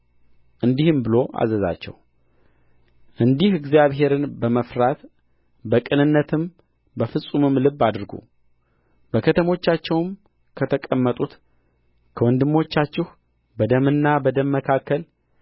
እንዲህም ብሎ አዘዛቸው እንዲሁ እግዚአብሔርን በመፍራት በቅንነትም በፍጹምም ልብ አድርጉ በከተሞቻቸውም ከተቀመጡት ከወንድሞቻችሁ በደምና በደም መካከል